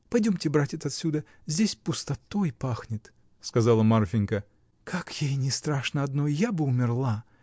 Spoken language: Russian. — Пойдемте, братец, отсюда: здесь пустотой пахнет, — сказала Марфинька, — как ей не страшно одной: я бы умерла!